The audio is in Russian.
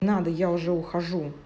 не надо я уже ухожу